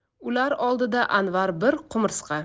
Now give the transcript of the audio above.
ular oldida anvar bir qumursqa